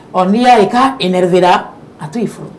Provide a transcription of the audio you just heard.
Ɔ n'i y'a ye k' e yɛrɛera a t to'i furu